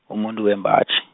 umuntu wembaji.